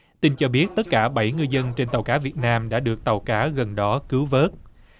tin cho biết tất cả bảy ngư dân trên tàu cá việt nam đã được tàu cá gần đó cứu vớt